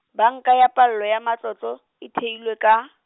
Banka ya Paballo ya Matlotlo, e theilwe ka?